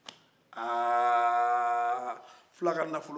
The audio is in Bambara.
aa fula ka nafoloko